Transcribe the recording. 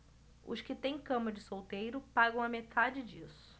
os que têm cama de solteiro pagam a metade disso